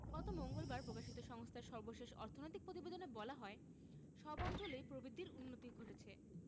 গত মঙ্গলবার প্রকাশিত সংস্থার সর্বশেষ অর্থনৈতিক প্রতিবেদনে বলা হয় সব অঞ্চলেই প্রবৃদ্ধির উন্নতি ঘটছে